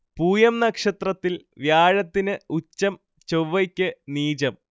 പൂയം നക്ഷത്രത്തിൽ വ്യാഴത്തിന് ഉച്ചം ചൊവ്വയ്ക്ക് നീചം